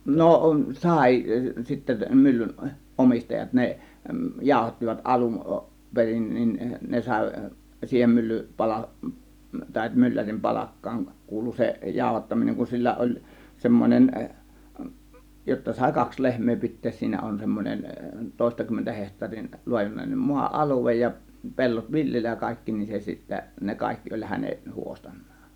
no sai sitten myllyn omistajat ne jauhattivat alun perin niin ne sai siihen mylly - tai myllärin palkkaan kuului se jauhattaminen kun sillä oli semmoinen jotta sai kaksi lehmää pitää siinä on semmoinen toistakymmentä hehtaarin laajuinen maa alue ja pellot viljellä ja kaikki niin se sitten ne kaikki oli hänen huostanaan